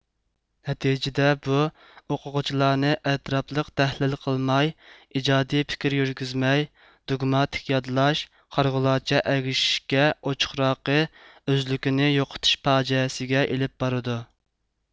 نەتىجىدە بۇ ئوقۇغۇچىلارنى ئەتراپلىق تەھلىل قىلماي ئىجادىي پىكىر يۈرگۈزمەي دۇگماتىك يادلاش قارىغۇلارچە ئەگىشىشكە ئوچۇقراقى ئۆزلۈكىنى يوقىتىش پاجىئەسىگە ئېلىپ بارىدۇ